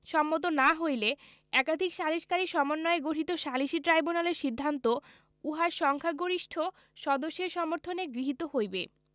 সম্মত না হইলে একাধিক সালিসকারী সমন্বয়ে গঠিত সালিসী ট্রাইব্যুনালের সিদ্ধান্ত উহার সংখ্যাগরিষ্ঠ সদস্যের সমর্থনে গৃহীত হইবে